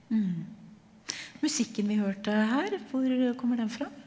musikken vi hørte her, hvor kommer den fra?